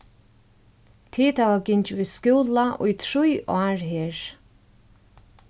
tit hava gingið í skúla í trý ár her